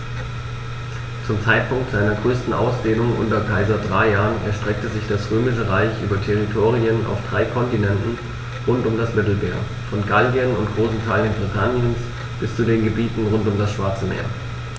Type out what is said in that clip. Zum Zeitpunkt seiner größten Ausdehnung unter Kaiser Trajan erstreckte sich das Römische Reich über Territorien auf drei Kontinenten rund um das Mittelmeer: Von Gallien und großen Teilen Britanniens bis zu den Gebieten rund um das Schwarze Meer.